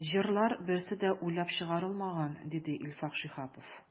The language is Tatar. “җырлар берсе дә уйлап чыгарылмаган”, диде илфак шиһапов.